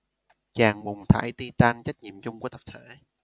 tràn bùn thải titan trách nhiệm chung của tập thể